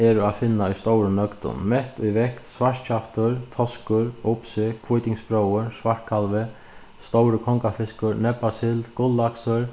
eru at finna í stórum nøgdum mett í vekt svartkjaftur toskur upsi hvítingsbróðir svartkalvi stóri kongafiskur nebbasild gulllaksur